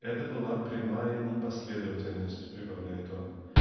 "Это была прямая непоследовательность" -- прибавляет он